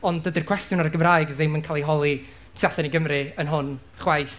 Ond, dydy'r cwestiwn ar y Gymraeg ddim yn cael ei holi tu allan i Gymru yn hwn chwaith.